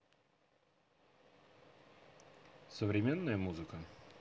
современная музыка